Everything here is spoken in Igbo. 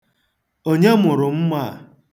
Onye mụrụ mma a?